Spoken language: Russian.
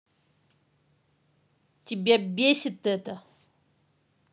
тебя бесит это